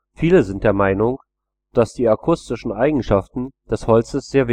Viele sind der Meinung, dass die akustischen Eigenschaften des Holzes sehr